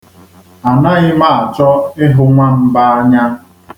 A naghị m acho ịhụ nwamba anya.